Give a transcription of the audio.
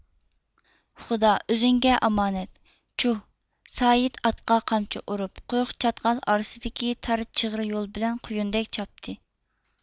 خۇدا ئۆزۈڭگە ئامانەت چۇھ سايىت ئاتقا قامچا ئۇرۇپ قورۇق چاتقال ئارىسىدىكى تار چىغىر يول بىلەن قۇيۇندەك چاپتى